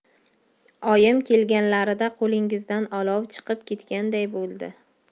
oyim kelganlarida qo'lingizdan olov chiqib ketganday bo'ldi